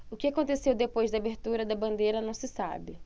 o que aconteceu depois da abertura da bandeira não se sabe